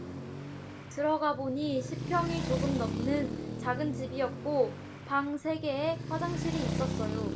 들어가보니 십 평이 조금 넘는 작은 집이었고 방 세 개에 화장실이 있었어요